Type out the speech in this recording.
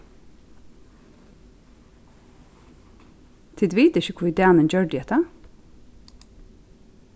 tit vita ikki hví danin gjørdi hatta